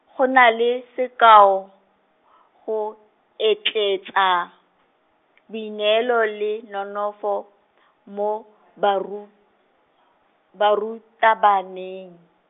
go nna le, sekao , go, etleetsa, boineelo le nonofo, mo baru-, barutabaneng.